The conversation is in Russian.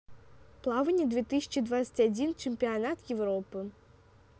плаванье две тысячи двадцать один чемпионат европы